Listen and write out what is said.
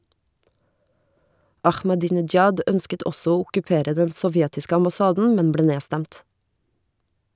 Ahmadinejad ønsket også å okkupere den sovjetiske ambassaden, men ble nedstemt.